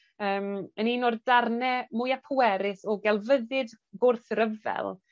yym yn un o'r darne mwya pwerus o gelfyddyd gwrthryfel